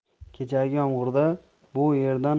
kechagi yomg'irda bu yerdan